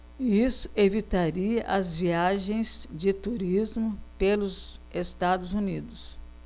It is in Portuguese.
isso evitaria as viagens de turismo pelos estados unidos